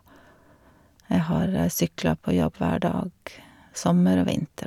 Jeg har sykla på jobb hver dag, sommer og vinter.